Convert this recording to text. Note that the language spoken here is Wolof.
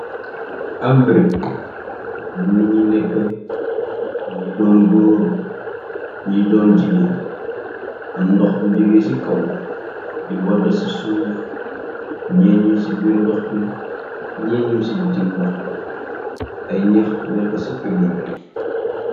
Am brep bu neetnye nekke ñye doon góor ñye doon jigéen am ndox bu jegee ci kaw di wodda ci suuf ñyenug ci birr ndox bi nenugse ci bitim ndox bi ay ñax nekka ci pegga be.